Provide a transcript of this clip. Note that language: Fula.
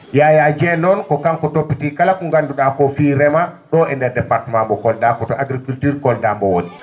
Yaya Dieng noon ko kanko toppitii kala ko nganndu?aa ko fii dema ?oo e ndeer département mbo Kolda koto agriculture Kolda mbo woni